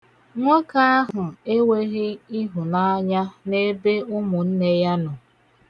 Nwoke ahụ enweghị ịhụnaanya n'ebe umunne ya nọ.